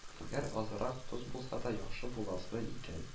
Әгәр азрак тоз да булса, яхшы буласы икән